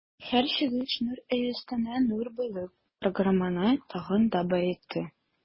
Һәр чыгыш нур өстенә нур булып, программаны тагын да баетты.